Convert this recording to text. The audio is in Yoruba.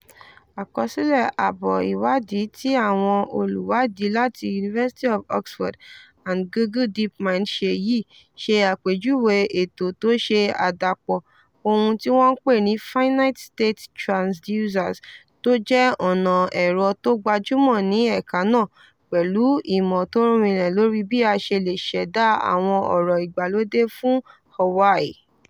Àkọsílẹ̀ àbọ̀ ìwádìí tí àwọn olùwádìí láti University of Oxford and Google Deep Mind ṣe yìí, ṣe àpèjúwe ètò tó ṣe àdàpọ̀ ohun tí wọ́n ń pè ní “finite state transducers”, tó jẹ́ ọ̀nà ẹ̀rọ tó gbajúmọ̀ ní ẹ̀ka nàá, pẹ̀lú ìmọ̀ tó rinlẹ̀ lóri bí a ṣe lè ṣẹ̀da àwọn ọ̀rọ̀ ìgbàlódé fún Hawaii.